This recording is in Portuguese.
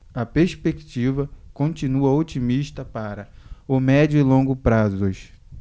a perspectiva continua otimista para o médio e longo prazos